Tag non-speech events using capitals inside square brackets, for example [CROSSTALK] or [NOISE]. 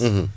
[HESITATION] [HESITATION]